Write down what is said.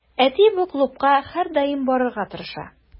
Әти бу клубка һәрдаим барырга тырыша.